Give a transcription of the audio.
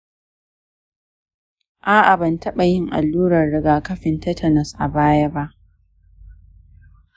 a'a ban taɓa yin allurar rigakafin tetanus a baya ba